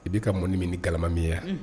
I bɛ ka mɔni min ni galama min yan?